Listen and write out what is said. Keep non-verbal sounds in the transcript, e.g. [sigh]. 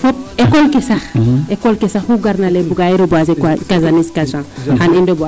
Fop école ke sax école ke sax oxu garna lay ee bugaa reboiser [unintelligible] xan i reboiser a nong .